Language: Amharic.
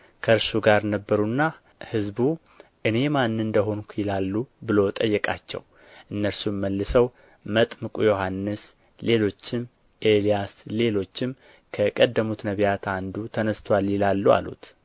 ከእርሱ ጋር ነበሩና ሕዝቡ እኔ ማን እንደ ሆንሁ ይላሉ ብሎ ጠየቃቸው እነርሱም መልሰው መጥምቁ ዮሐንስ ሌሎችም ኤልያስ ሌሎችም ከቀደሙት ነቢያት አንዱ ተነሥቶአል ይላሉ አሉት